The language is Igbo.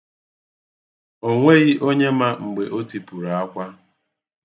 O nweghi onye ma mgbe o tipụrụ akwa.